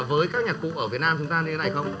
với các nhạc cụ ở việt nam chúng ta như thế này không